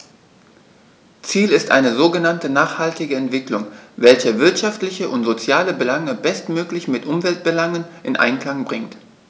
Ziel ist eine sogenannte nachhaltige Entwicklung, welche wirtschaftliche und soziale Belange bestmöglich mit Umweltbelangen in Einklang bringt.